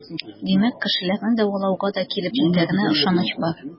Димәк, кешеләрне дәвалауга да килеп җитәренә ышаныч бар.